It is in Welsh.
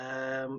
...yym